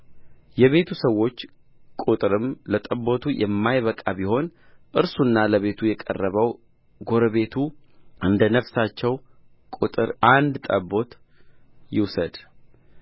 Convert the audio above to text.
የቤቱ ሰዎች ቍጥርም ለጠቦቱ የማይበቃ ቢሆን እርሱና ለቤቱ የቀረበው ጎረቤቱ እንደ ነፍሶቻቸው ቍጥር አንድ ጠቦት ይውሰድ